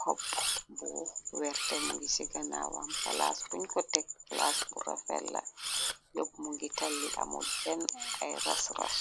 xopp bu werte mu ngi ci ganawam, palaas buñ ko teg plaas bu rafet la, yopp mu ngi tàlli amu benn ay rasras.